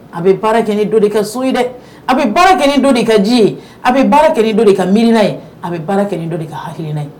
A bɛ baara kɛ ni dɔ de ka so ye dɛ, a bɛ baara kɛ ni dɔ de ka ji ye, a bɛ baara kɛ ni dɔ de ka miirina ye , a bɛ baara kɛ ni dɔ de ka hakilina ye!